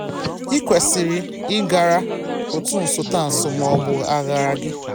Ị kwesịrị ịghara otu nsotanso ma ọ bụ aghara gị.